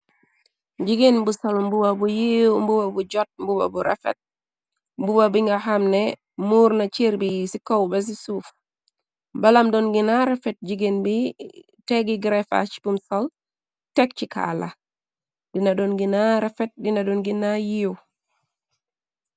Jigéen bu sol mbuba bu yiiw mbuba bu jot mbuba bu refet. Mbuba bi nga xamne muur na cër bi ci kaw besi suuf balam doon gana refet jigéen bi teggi gerefas bum sol tek ci kaala dina doon ngina refet dina don ngina yiiw.